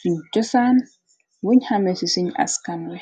suñ cosaan wuñ xame ci siñ askanwe.